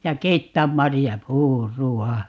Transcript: ja keittää marjapuuroa